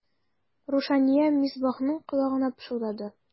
Рушания Мисбахның колагына пышылдады.